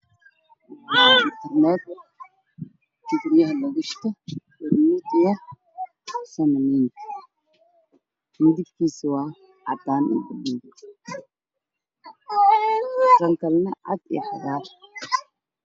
Meeshaan waxaa iga muuqda internet ku jiro jaajar kadarkiisu yahay caddaan xariga waa madow dhulka wacdaan